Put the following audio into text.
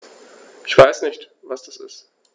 Ich weiß nicht, was das ist.